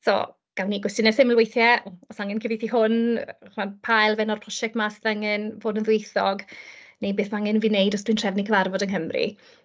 So, gawn ni gwestiynnau syml weithie, oes angen cyfeithu hwn, o ran pa elfen o'r prosiect 'ma sydd angen bod yn ddwyieithog, neu beth ma' angen i fi wneud os dwi'n trefnu cyfarfod yng Nghymru.